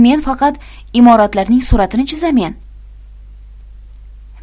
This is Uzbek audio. men faqat imoratlarning suratini chizamen